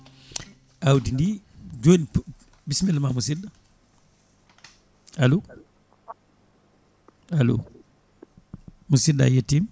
awdi ndi joni bisimilla ma musidɗo alo alo musidɗo a yettima